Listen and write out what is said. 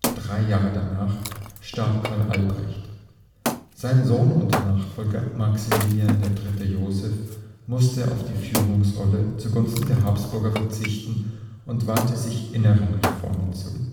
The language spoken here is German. Drei Jahre danach starb Karl Albrecht. Sein Sohn und Nachfolger Maximilian III. Joseph musste auf die Führungsrolle zugunsten der Habsburger verzichten und wandte sich inneren Reformen zu